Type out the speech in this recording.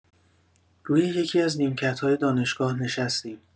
روی یکی‌از نیمکت‌های دانشگاه نشستیم.